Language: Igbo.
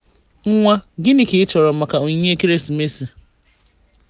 Nne: Nwa, gịnị ka ị chọrọ maka onyinye ekeresimesi?